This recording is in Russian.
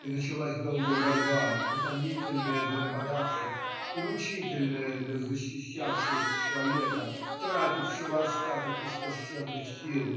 и началась долгая борьба, утомительная для нападавших и мучительная для защищавшегося человека, тратившего остаток истощенных сил.